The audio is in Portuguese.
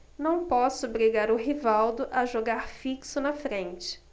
não posso obrigar o rivaldo a jogar fixo na frente